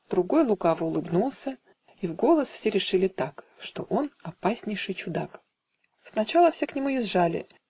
Другой лукаво улыбнулся, И в голос все решили так, Что он опаснейший чудак. Сначала все к нему езжали